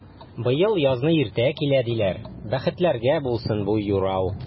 Быел язны иртә килә, диләр, бәхетләргә булсын бу юрау!